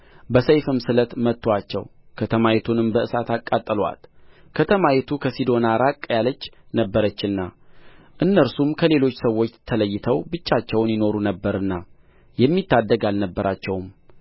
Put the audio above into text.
በሰይፍም ስለት መቱአቸው ከተማይቱንም በእሳት አቃጠሉአት ከተማይቱ ከሲዶና ራቅ ያለች ነበረችና እነርሱም ከሌሎች ሰዎች ተለይተው ብቻቸውን ይኖሩ ነበርና የሚታደግ አልነበራቸውም